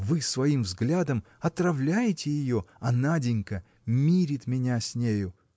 Вы своим взглядом отравляете ее, а Наденька мирит меня с нею.